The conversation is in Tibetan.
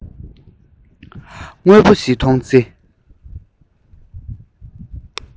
དངོས པོ ཞིག མཐོང ཚེ